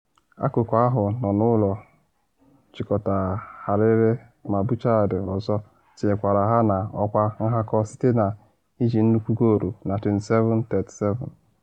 Akụkụ ahụ nọ n’ụlọ chịkọtagharịrị ma Bouchard ọzọ tinyekwara ha n’ọkwa nhakọ site na iji nnukwu goolu na 27:37.